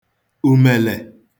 ùmèlè